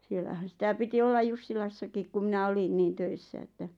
siellähän sitä piti olla Jussilassakin kun minä olin niin töissä että